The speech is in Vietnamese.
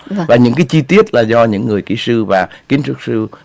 và những cái chi tiết là do những người kỹ sư và kiến trúc sư